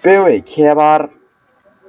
སྤེལ བའི ཁྱད པར